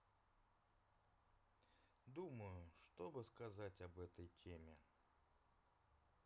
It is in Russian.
думаю чтобы сказать об этой теме